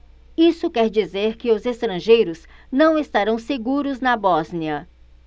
isso quer dizer que os estrangeiros não estarão seguros na bósnia